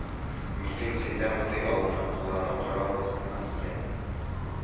Милли музейда мондый алымны куллану каралмасмы икән